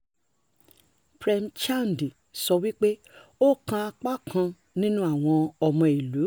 Prem Chand sọ wípé ó kan apá kan nínú àwọn ọmọ ìlú: